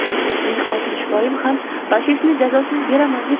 meni oltmishvoyim ham pashistni jazosini beraman deb